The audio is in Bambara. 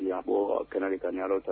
Bi an b'o kɛnɛ de kan ni Alahuta